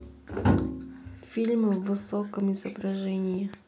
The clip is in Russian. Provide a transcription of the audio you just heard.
фильмы в высоком изображении